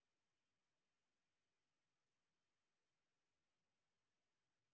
родители новые серии